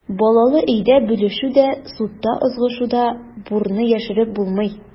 Балалы өйдә бүлешү дә, судта ызгышу да, бурны яшереп булмый.